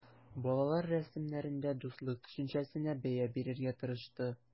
Балалар рәсемнәрендә дуслык төшенчәсенә бәя бирергә тырышты.